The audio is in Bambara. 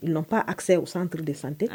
Nɔnɔp asa o sanuruur de san tɛ